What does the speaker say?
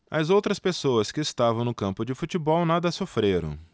as outras pessoas que estavam no campo de futebol nada sofreram